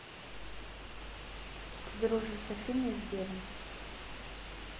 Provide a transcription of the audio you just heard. ты дружишь с афиной и сбером